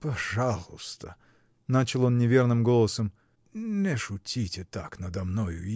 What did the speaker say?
-- Пожалуйста, -- начал он неверным голосом, -- не шутите так надо мною.